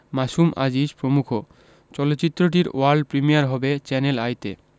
মাসুম আজিজ প্রমুখ চলচ্চিত্রটির world premiere হবে চ্যানেল আইতে